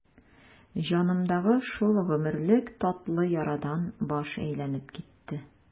Җанымдагы шул гомерлек татлы ярадан баш әйләнеп китте.